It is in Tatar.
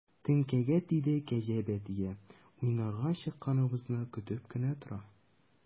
Теңкәгә тиде кәҗә бәтие, уйнарга чыкканыбызны көтеп кенә тора.